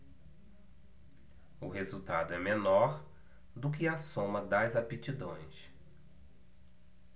o resultado é menor do que a soma das aptidões